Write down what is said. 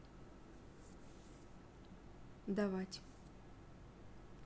давать